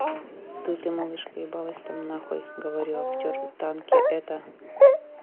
ты ты малышка ебалась там нахуй говорю актер танки это